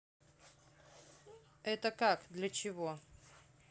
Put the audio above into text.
это как для чего